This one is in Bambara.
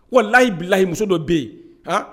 Wa lahiyi bilahi muso dɔ bɛ yen